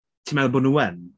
Ti'n meddwl bod nhw yn?